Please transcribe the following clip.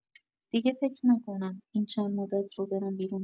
دیگه فکر نکنم این چند مدت رو برم بیرون.